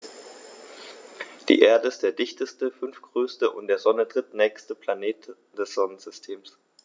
Die Erde ist der dichteste, fünftgrößte und der Sonne drittnächste Planet des Sonnensystems.